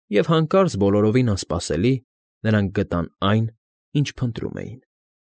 Եվ հանկարծ, բոլորովին անսպասելի, նրանք գտան այն, ինչ փնտրում էին։